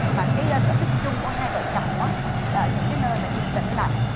mà cái sở thích chung của hai vợ chồng ớ là ở những cái nơi mà yên tĩnh lặng